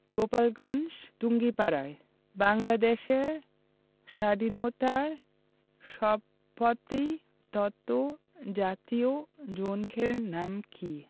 গোপালগঞ্জের টুঙ্গিপাড়ায় বাংলাদেশের স্বাধীনতার স্থপতি তথা জাতির জনকের নাম কী